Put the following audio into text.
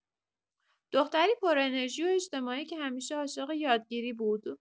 دختری پرانرژی و اجتماعی که همیشه عاشق یادگیری بود.